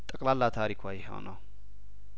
ጠቅላላ ታሪኳ ይኸው ነው